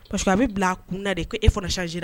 Parce que a bi bila a kun na de ko e fana changé la.